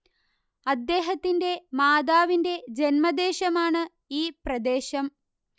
അദ്ദേഹത്തിന്റെ മാതാവിന്റെ ജന്മദേശമാണ് ഈ പ്രദേശം